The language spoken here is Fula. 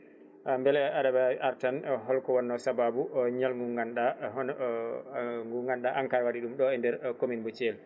beele aɗa wawi artan o holko wonno saababu on ñalngu ganduɗa hono ngu ganduɗa ENCAR waɗi ɗum ɗo e nder commune mo Thiel